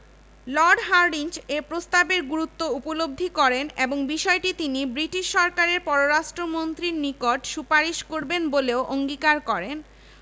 গণিত বিভাগ এবং অনুদ্বৈপায়ন ভট্টাচার্য পদার্থবিদ্যা বিভাগ ঢাকা বিশ্ববিদ্যালয়ের প্রধান মেডিক্যাল অফিসার ডা. মোহাম্মদ মর্তুজা এবং ইউনিভার্সিটি ল্যাবরেটরি স্কুলের শিক্ষক